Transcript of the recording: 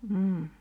mm